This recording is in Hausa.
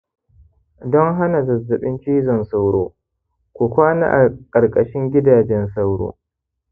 don hana zazzabin cizon sauro, ku kwana a ƙarƙashin gidajen sauro